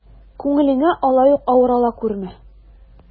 Күңелеңә алай ук авыр ала күрмә.